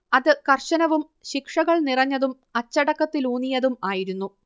അത് കർശനവും ശിക്ഷകൾ നിറഞ്ഞതും അച്ചടക്കത്തിലൂന്നിയതും ആയിരുന്നു